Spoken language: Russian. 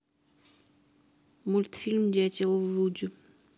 мультфильм дятел вуди